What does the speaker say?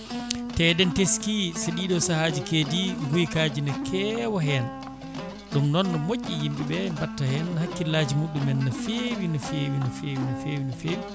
te eɗen teski so ɗiɗo saahaji keedi guykaji ne kewa hen ɗum noon ne moƴƴi yimɓeɓe mbatta hen hakkillaji muɗumen no fewi no fewi no fewi no fewi no fewi